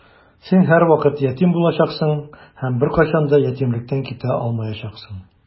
Син һәрвакыт ятим булачаксың һәм беркайчан да ятимлектән китә алмаячаксың.